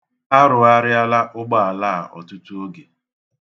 A rụgharịala ụgbọala a ọtụtụ oge.